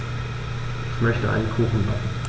Ich möchte einen Kuchen backen.